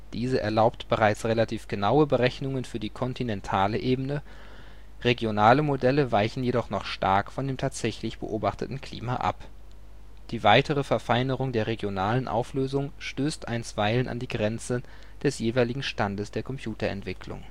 Diese erlaubt bereits relativ genaue Berechnungen für die kontinentale Ebene. Regionale Modelle weichen jedoch noch stark von dem tatsächlich beobachteten Klima ab. Die weitere Verfeinerung der regionalen Auflösung stößt einstweilen an die Grenzen des jeweiligen Standes der Computerentwicklung